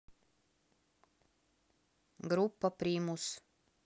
группа примус